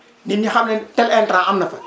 nit ñi xam ne tel intrant am na fa